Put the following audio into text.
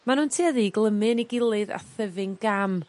Ma' nw'n tueddu i glymu yn 'i gilydd a thyfu'n gam